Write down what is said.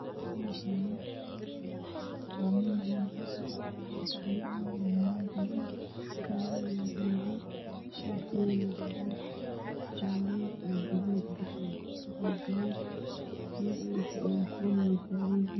Meshaani waa meel hool ah waxaa iskugu imaaday wiilaal badan kalaradoodu ow yahay shatiyada cadan iyo jalo gaduud iskugu jiran wiil ayaa fadhiya kuwana waa tagan yihiin